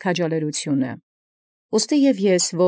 Մերոյն վարդապետութեան։